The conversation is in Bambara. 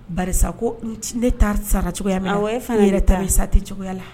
Ba ko ne taara sarara cogoyaya la o e fana yɛrɛ ta sa tɛ cogoya la